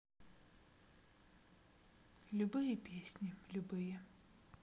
любые песни любые